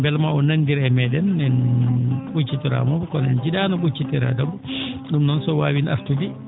mbela maa o nanondir e mee?en en ?occitoraama mo kono en nji?aano ?occitereede mo ?um noon so o waawii no artude